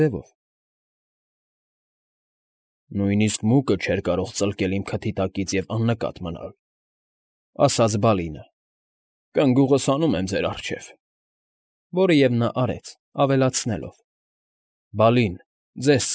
Ձևով։ ֊ Նույնիսկ մուկը չէր կարող ծլկել իմ քթի տակից և աննկատ մնալ,֊ ասաց Բալինը։֊ Կնգուղս հանում եմ ձեր առջև։֊ Որը և նա արեց, ավելացնելով.֊ Բալին, ձեզ։